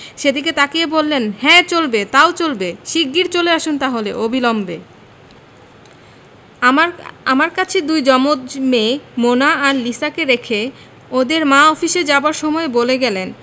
সেদিকে তাকিয়ে বললেন হ্যাঁ চলবে তাও চলবে শিগগির চলে আসুন তাহলে অবিলম্বে আমার আমার কাছে দুই জমজ মেয়ে মোনা আর লিসাকে রেখে ওদের মা অফিসে যাবার সময় বলে গেলেন